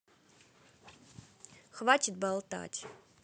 хватит болтать